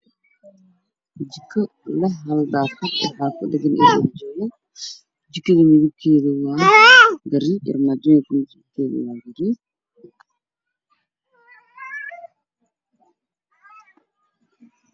Waa jiko leh hal daaqad waxaa kudhagan armaajooyin. Jikada midabkeedu waa gariije Armaajada waa cadeys.